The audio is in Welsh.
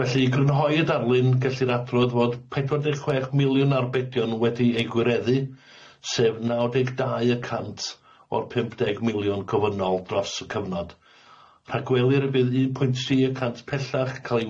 Felly i grynhoi y darlun gellir adrodd fod pedwar deg chwech miliwn arbedion wedi ei gwireddu sef naw deg dau y cant o'r pump deg miliwn gofynol dros y cyfnod rhagwelir y bydd un pwynt tri y cant pellach ca'l ei